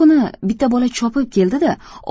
bir kuni bitta bola chopib keldi da